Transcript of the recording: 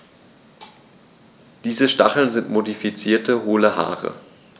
Diese Stacheln sind modifizierte, hohle Haare.